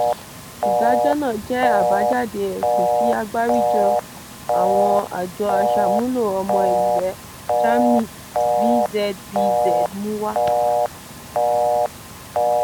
Ìdájọ́ náà jẹ́ àbájáde ẹ̀sùn tí Àgbáríjọ àwọn àjọ aṣàmúlò ọmọ ilẹ̀ Germany, VZBZ mú wá